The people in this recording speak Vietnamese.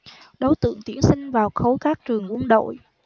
đối tượng tuyển sinh vào khối các trường quân đội